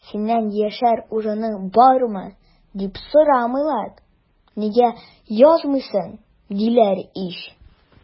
Синнән яшәр урының бармы, дип сорамыйлар, нигә язмыйсың, диләр ич!